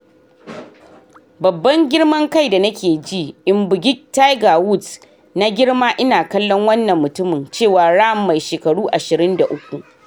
“Babban girman kai da nake ji, in bugi Tiger Woods, na girma ina kallon wannan mutumin, "cewar Rahm mai shekaru 23.